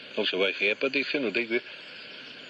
O sa waith heb a deitha nw deu gwir.